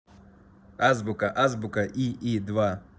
азбука азбука и и два